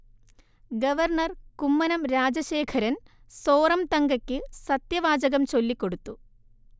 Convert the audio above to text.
governor Kummanam Rajasekharan സോറംതങ്കയ്ക്ക് സത്യവാചകം ചൊല്ലിക്കൊടുത്തു